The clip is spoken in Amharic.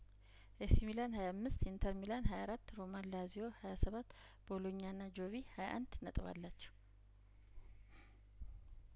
ኤሲሚላን ሀያ አምስት ኢንተር ሚላን ሀያ አራት ሮማ ላዚዮ ሀያ ሰባት ቦሎኛና ጆቪ ሀያ አንድ ነጥብ አላቸው